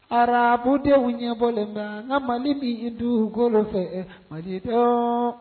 Arabudenw ɲɛbɔlenw bɛ an ka Mali min dugukolo fɛ Malidenw